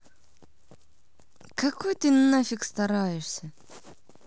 какой нафиг стараешься